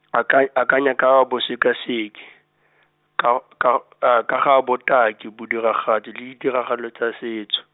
akay-, akanya ka bosekaseki, ka ro-, ka ro-, ka ga botaki bodiragatsi le ditiragalo tsa setso.